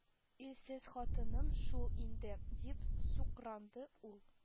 – ирсез хатынның шул инде, – дип сукранды ул